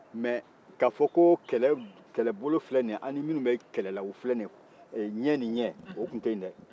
mɛ ka fɔ ko kɛlɛbolo filɛ an ni minnu bɛ kɛlɛla u filɛ nin ye ɲɛ ni ɲɛ